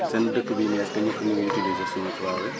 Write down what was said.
seen dëkk bi est ce que ñëpp ñu ngi utilisé suuna 3 bi